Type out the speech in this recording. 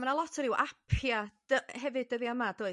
A ma' 'na lot o ryw apia' dy- hefyd dyddia' yma does?